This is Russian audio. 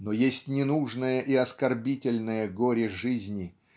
Но есть ненужное и оскорбительное горе жизни